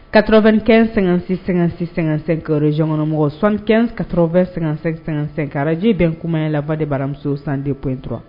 Katro2 kɛ---sɛ jangkɔnɔmɔgɔ sɔn2 ka2--sɛ-sɛnkaraji bɛn kumaya laba de baramuso san de p dɔrɔn